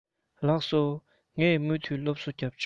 ལགས སོ ངས མུ མཐུད སློབ གསོ རྒྱབ ཆོག